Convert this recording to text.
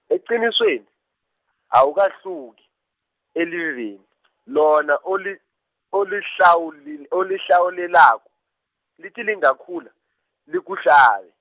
eqinisweni, awukahluki, eliveni , lona oli-, olihlawuli-, olihlawulelako, lithi lingakhula, likuhlabe.